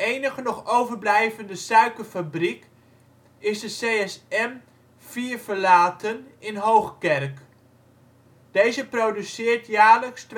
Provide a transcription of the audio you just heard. enige nog overblijvende suikerfabriek is de CSM Vierverlaten in Hoogkerk. Deze produceert jaarlijks